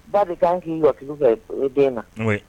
Ba bɛ k'an k'i jɔki fɛ i den na ye